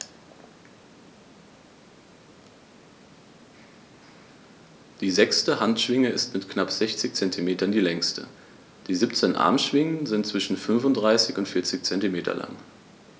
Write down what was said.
Die sechste Handschwinge ist mit knapp 60 cm die längste. Die 17 Armschwingen sind zwischen 35 und 40 cm lang.